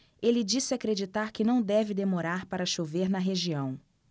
ele disse acreditar que não deve demorar para chover na região